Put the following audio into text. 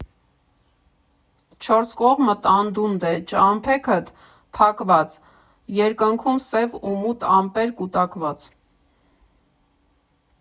Չորս կողմդ անդունդ է, ճամփեքդ՝ փակված, երկնքում սև ու մութ ամպեր կուտակված։